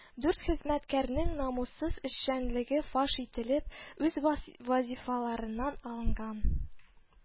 Дүрт хезмәткәрнең намуссыз эшчәнлеге фаш ителеп, үз ва вазифаларыннан алынган